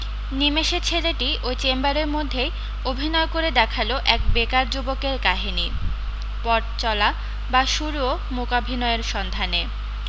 নিমেষে ছেলেটি ওই চেম্বারের মধ্যেই অভিনয় করে দেখাল এক বেকার যুবকের কাহিনী পথ চলা বা শুরুও মূকাভিনয়ের সন্ধানে